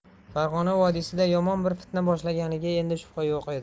farg'ona vodiysida yomon bir fitna boshlanganiga endi shubha yo'q edi